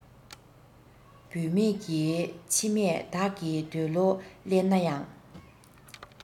བུད མེད ཀྱི མཆི མས བདག གི འདོད བློ བརླན ན ཡང